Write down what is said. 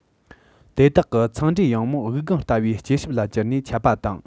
དེ དག གི འཚང འབྲས ཡང མོ དབུགས ལྒང ལྟ བུའི སྐྱི སྲབ ལ གྱུར ནས ཁྱབ པ དང